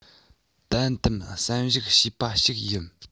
ཏན ཏན བསམ གཞིགས བྱས པ ཞིག ཡིན